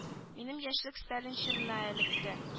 Минем яшьлек сталин чорына эләкте